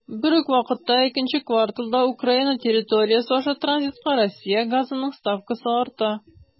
Бер үк вакытта икенче кварталдан Украина территориясе аша транзитка Россия газының ставкасы арта.